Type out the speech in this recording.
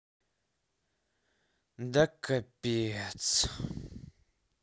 да капец